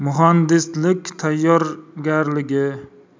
muhandislik tayyorgarligi